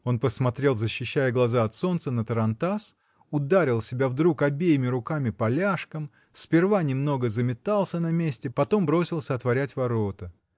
он посмотрел, защищая глаза от солнца, на тарантас, ударил себя вдруг обеими руками по ляжкам, сперва немного заметался на месте, потом бросился отворять ворота.